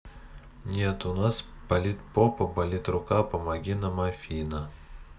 нет у нас болит попа болит рука помоги нам афина